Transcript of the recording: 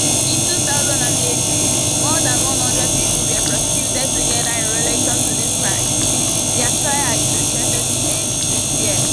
In 2018, more than one hundred people were prosecuted together in relation to these crimes. Their trial is expected to end this year.